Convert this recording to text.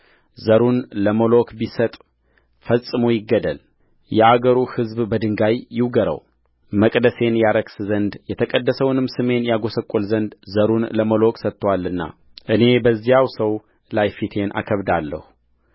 ዘሩን ለሞሎክ ቢሰጥ ፈጽሞ ይገደል የአገሩ ሕዝብ በድንጋይ ይውገረውመቅደሴን ያረክስ ዘንድ የተቀደሰውንም ስሜን ያጐሰቍል ዘንድ ዘሩን ለሞሎክ ሰጥቶአልና እኔ በዚያ ሰው ላይ ፊቴን አከብዳለሁ